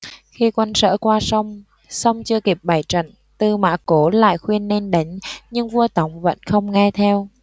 khi quân sở qua sông xong chưa kịp bày trận tư mã cố lại khuyên nên đánh nhưng vua tống vẫn không nghe theo